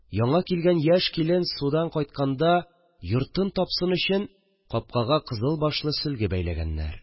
Яңа килгән яшь килен судан кайтканда йортын тапсын өчен капкага кызыл башлы сөлге бәйләгәннәр